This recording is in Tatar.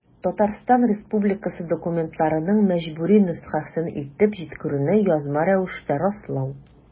Татарстан Республикасы документларының мәҗбүри нөсхәсен илтеп җиткерүне язма рәвештә раслау.